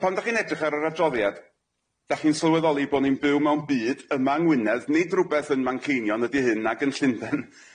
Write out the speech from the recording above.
A pan dach chi'n edrych ar yr adroddiad dach chi'n sylweddoli bo ni'n byw mewn byd yma yng Ngwynedd nid rwbeth yn Manceinion ydi hyn nag yn Llundain,